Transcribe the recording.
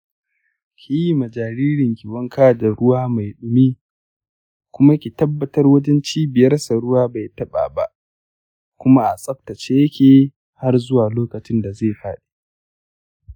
kiyi ma jaririnki wanka da ruwa mai dumi kuma ki tabbatar wajen cibiyarsa ruwa bai taba ba kuma a tsaftace yake har zuwa lokacinda ya fadi.